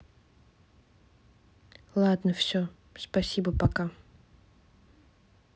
ладно все спасибо пока